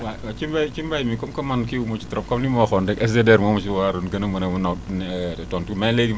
waaw ci mbay ci mbay mi comme que man kii wu ma ci trop comme ni ma waxoon rek SDDR moo ma si waroon gën a mën a mën a tontu mais léegi